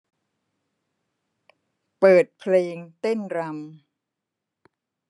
เปิดเพลงเต้นรำ